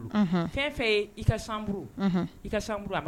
Fɛn o fɛn ye i ka chambre ye i ka chambre wa.